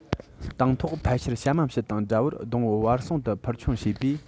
དང ཐོག ཕལ ཆེར བྱ མ བྱི དང འདྲ བར སྡོང བོའི བར གསིང དུ འཕུར མཆོང བྱས པས